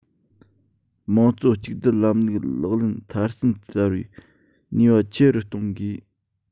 དམངས གཙོ གཅིག སྡུད ལམ ལུགས ལག ལེན མཐར ཕྱིན བསྟར བའི ནུས པ ཆེ རུ གཏོང དགོས